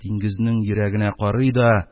Диңгезнең йөрәгенә карый да,